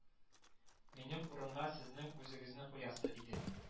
Минем урынга сезнең үзегезне куясы иде